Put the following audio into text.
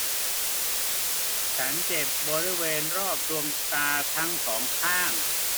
ฉันเจ็บบริเวณรอบดวงตาทั้งสองข้าง